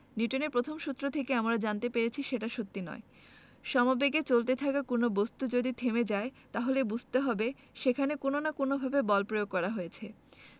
নিউটনের প্রথম সূত্র থেকে আমরা জানতে পেরেছি সেটা সত্যি নয় সমবেগে চলতে থাকা কোনো বস্তু যদি থেমে যায় তাহলে বুঝতে হবে সেখানে কোনো না কোনোভাবে বল প্রয়োগ করা হয়েছে